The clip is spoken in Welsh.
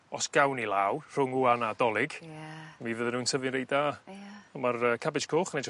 os gawn ni law rhwng ŵan a Dolig... Ie. ...mi fydden nw'n tyfu'n reit da. Ia. On' ma'r yy cabej coch yn edrych